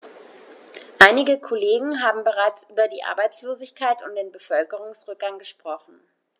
Einige Kollegen haben bereits über die Arbeitslosigkeit und den Bevölkerungsrückgang gesprochen.